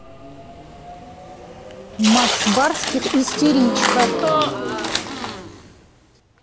макс барских истеричка